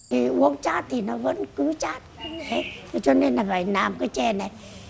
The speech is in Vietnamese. uống chát thì nó vẫn cứ chát thế cho nên là bài làm cái chè này